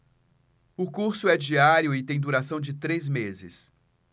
o curso é diário e tem duração de três meses